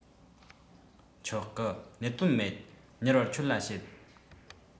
ཆོག གི གནད དོན མེད མྱུར བར ཁྱོད ལ བཤད